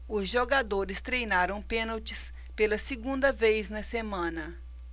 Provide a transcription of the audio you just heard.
os jogadores treinaram pênaltis pela segunda vez na semana